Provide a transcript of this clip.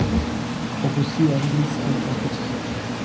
запусти английские карточки